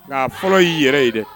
Nka fɔlɔ y'i yɛrɛ ye dɛ